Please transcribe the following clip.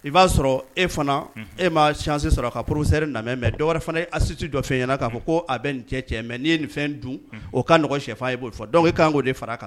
I b'a sɔrɔ e fana e m ma sise sɔrɔ ka porosɛri namɛ mɛ dɔw wɛrɛ fana a sisi jɔ fɛn ɲɛna k'a fɔ ko a bɛ nin cɛ cɛ n'i ye nin fɛn dun o kaɔgɔn shɛfan ye b'o fɔ kan ko de fara kan